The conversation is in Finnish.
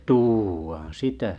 tuodaan sitä